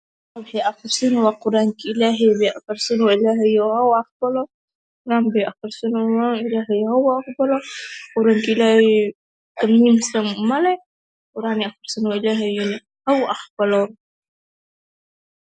Quran aqrisanoyan waa quranki ilaahey illahey ha u aqbalo quranki illahey wax ka muhimsan majiro quraanka illahey alle ha u aqbalo